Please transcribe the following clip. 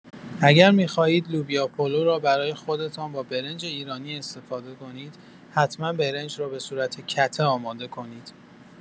اگر می‌خواهید لوبیا پلو را برای خودتان با برنج ایرانی استفاده کنید حتما برنج را به‌صورت کته آماده کنید.